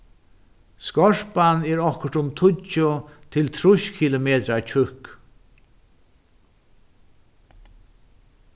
skorpan er okkurt um tíggju til trýss kilometrar tjúkk